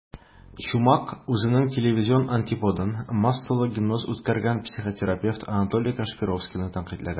Чумак үзенең телевизион антиподын - массалы гипноз үткәргән психотерапевт Анатолий Кашпировскийны тәнкыйтьләгән.